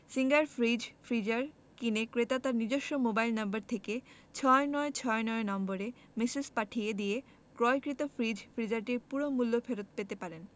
singer fridge freezer কিনে ক্রেতা তার নিজস্ব মোবাইল নম্বর থেকে ৬৯৬৯ নম্বরে ম্যাসেজ পাঠিয়ে দিয়ে ক্রয়কৃত ফ্রিজ/ফ্রিজারটির পুরো মূল্য ফেরত পেতে পারেন